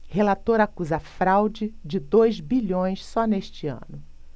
relator acusa fraude de dois bilhões só neste ano